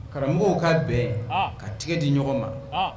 Karamɔgɔw ka bɛn ka tɛgɛ di ɲɔgɔn ma